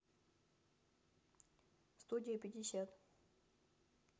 студия пятьдесят